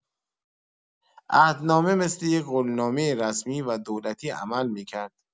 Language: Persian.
عهدنامه مثل یک قول‌نامهٔ رسمی و دولتی عمل می‌کرد.